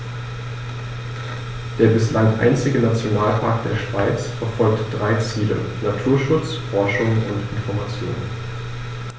Der bislang einzige Nationalpark der Schweiz verfolgt drei Ziele: Naturschutz, Forschung und Information.